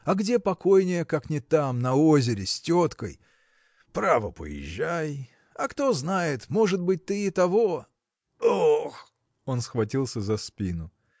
а где покойнее, как не там, на озере, с теткой. Право, поезжай! А кто знает? может быть, ты и того. Ох! Он схватился за спину.